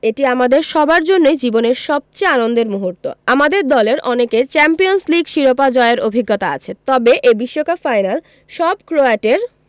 এটি আমাদের সবার জন্যই জীবনের সবচেয়ে আনন্দের মুহূর্ত আমাদের দলের অনেকের চ্যাম্পিয়নস লিগ শিরোপা জয়ের অভিজ্ঞতা আছে তবে এ বিশ্বকাপ ফাইনাল সব ক্রোয়াটের